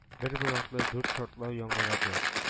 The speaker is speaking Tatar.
Бер-бер артлы дүрт шартлау яңгырады